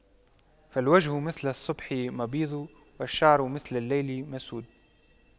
فالوجه مثل الصبح مبيض والشعر مثل الليل مسود